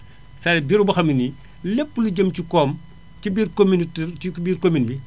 c' est à dire bureau boo xam ne nii lépp lu jëm ci kom ci biir communauté ci biir commune bi